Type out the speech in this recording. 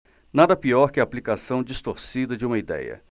nada pior que a aplicação distorcida de uma idéia